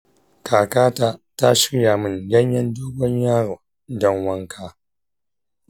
kakata ta shirya min ganyen dogonyaro don wanka.